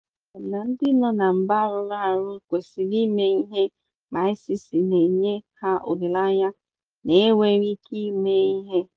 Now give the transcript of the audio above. E kwenyere m na ndị nọ na mba rụrụ arụ kwesịrị ime ihe ma ICC na-enye ha olileanya na e nwere ike ime ihe.